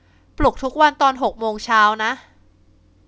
ปลุกทุกวันตอนหกโมงเช้านะ